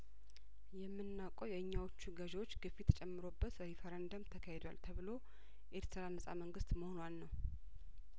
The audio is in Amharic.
የምናውቀው የእኛዎቹ ገዥዎች ግፊት ተጨምሮበት ሪፍረንደም ተካሂዷል ተብሎ ኤርትራ ነጻ መንግስት መሆኗን ነው